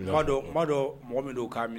Dɔn b'a dɔn mɔgɔ min don k'a minɛ